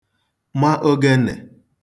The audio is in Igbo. ma ōgēnè